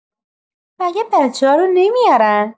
مگه بچه‌ها رو نمیارن؟